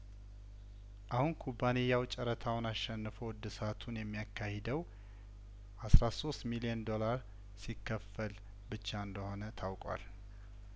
አሁን ኩባንያው ጨረታውን አሸንፎ እድሳቱን የሚያካሂደው አስራ ሶስት ሚሊየን ዶላር ሲከፈል ብቻ እንደሆነ ታውቋል